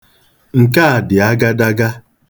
Nke a dị agadaga.